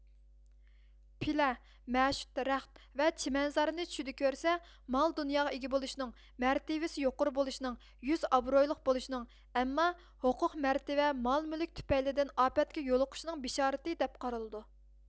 پىلە مەشۈت رەخت ۋە چىمەنزارنى چۈشىدە كۆرسە مال دۇنياغا ئىگە بولۇشنىڭ مەرتىۋىسى يۇقىرى بولۇشنىڭ يۈز ئابرۇيلۇق بولۇشنىڭ ئەمما ھوقوق مەرتىۋە مال مۈلۈك تۈپەيلىدىن ئاپەتكە يولۇقۇشنىڭ بىشارىتى دەپ قارىلىدۇ